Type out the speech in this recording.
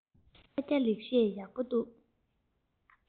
ས སྐྱ ལེགས བཤད ཡོག པོ འདུག